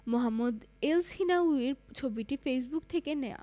মোহাম্মদ এলসহিনাউয়ির ছবিটি ফেসবুক থেকে নেওয়া